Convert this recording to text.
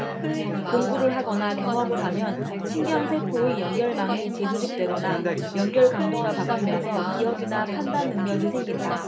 공부를 하거나 경험을 하면 신경세포의 연결망이 재조직되거나 연결 강도가 바뀌면서 기억이나 판단 능력이 생긴다